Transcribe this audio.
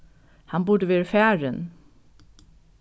hann burdi verið farin